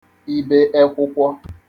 ibe ekwụkwọ